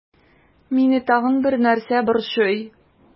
Мине тагын бер нәрсә борчый.